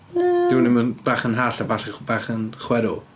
Yym... 'Di hwn ddim yn bach yn hallt a ball- bach yn chwerw.